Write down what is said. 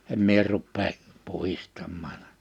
en minä rupea puhdistamaan